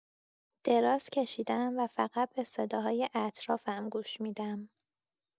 دراز کشیدم و فقط به صداهای اطرافم گوش می‌دم.